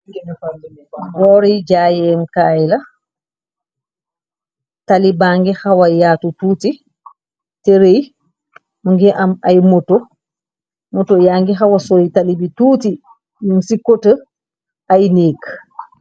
Woori jaayeemkaayla, taliba bangi xawa yaatu tuuti, terëy mu ngi am ay moto yaa ngi xawa solyi talibi tuuti yum ci kotë ay neek.